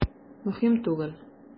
Мөһим түгел.